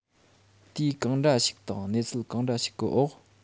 དུས གང འདྲ ཞིག དང གནས ཚུལ གང འདྲ ཞིག གི འོག